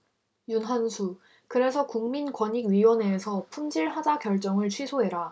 윤한수 그래서 국민권익위원회에서 품질 하자 결정을 취소해라